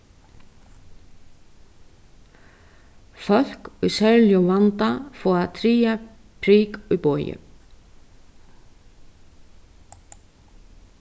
fólk í serligum vanda fáa triðja prik í boði